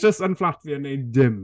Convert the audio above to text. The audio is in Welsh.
jyst yn fflat fi yn wneud dim.